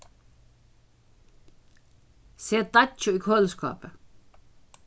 set deiggið í køliskápið